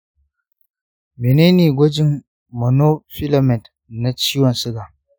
mene ne gwajin monofilament na ciwon siga?